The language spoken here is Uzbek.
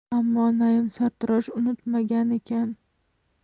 ammo naim sartarosh unutmagan ekan